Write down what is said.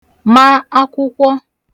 ma akwụkwọ